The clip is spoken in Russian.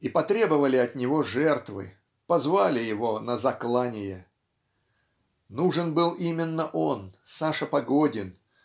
и потребовали от него жертвы позвали его на заклание. Нужен был именно он Саша Погодин